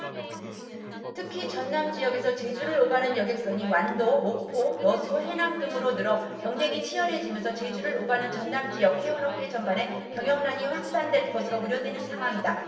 특히 전남지역에서 제주를 오가는 여객선이 완도 목포 여수 해남 등으로 늘어 경쟁이 치열해지면서 제주를 오가는 전남지역 해운업계 전반에 경영난이 확산할 것으로 우려되는 상황이다